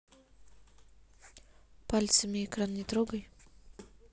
пальцами экран не трогай